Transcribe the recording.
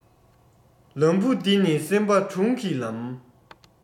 ལམ བུ འདི ནི སེམས པ དྲུང གི ལམ